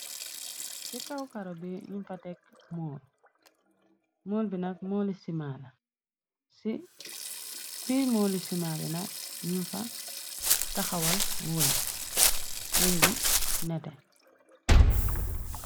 ci kaw karo bi, bir ñu fa tekk mool, mool bi nak mooli simaala, ci biir mooli sima bi nak, ñu fa taxawal weñ, weñ bu nete.